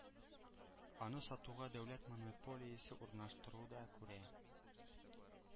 Аны сатуга дәүләт монополиясе урнаштыруда күрә.